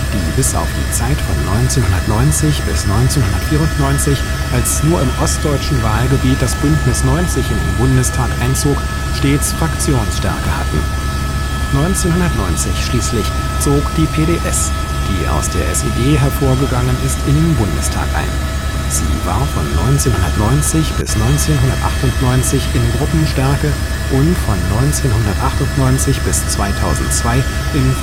bis 1994, als nur im ostdeutschen Wahlgebiet das Bündnis 90 in den Bundestag einzog, stets Fraktionsstärke hatten. 1990 schließlich zog die PDS, die aus der SED hervorgegangen ist, in den Bundestag ein, sie war von 1990 bis 1998 in Gruppenstärke und von 1998 bis 2002 in